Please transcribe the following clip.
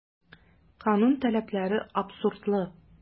Канун таләпләре абсурдлы.